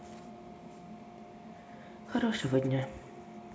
хорошего дня